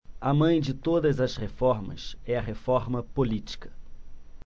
a mãe de todas as reformas é a reforma política